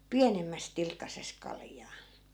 pienemmässä tilkkasessa kaljaa